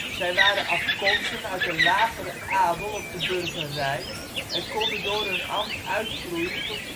Zij waren afkomstig uit de lagere adel of de burgerij en konden door hun ambt uitgroeien tot